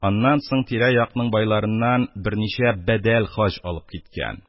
Аннан соң тирә-якның байларыннан берничә «бәдәл хаҗ» алып киткән.